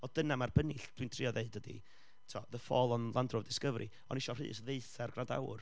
Wel dyna mae'r bennill dwi'n trio ddeud ydy, tibod, the fallen Landrover Discovery, o'n i isio Rhys ddeutha'r gwrandawr